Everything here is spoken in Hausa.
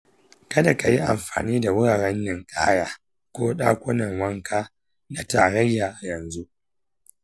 kada ka yi amfani da wuraren ninkaya ko dakunan wanka na tarayya a yanzu.